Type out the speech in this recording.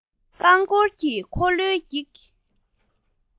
རྐང འཁོར གྱི འཁོར ལོའི འགྱིག